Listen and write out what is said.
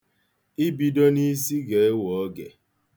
Ibido n'isi ga-ewe oge.